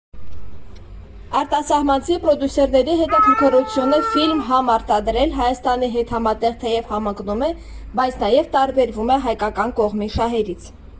Արտասահմանցի պրոդյուսերների հետաքրքրությունը ֆիլմ համարտադրել Հայաստանի հետ համատեղ թեև համընկնում է, բայց նաև տարբերվում է հայկական կողմի շահերից։